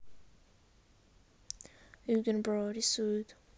eugenbro рисует